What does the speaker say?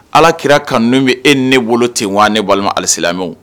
Alaki ka bɛ e ne bolo ten wa ne walima ali lamɛnmɛ